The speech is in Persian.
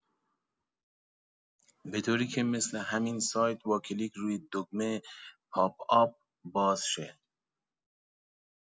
به طوریکه مثل همین سایت با کلیک روی دکمه پاپ آپ باز شه.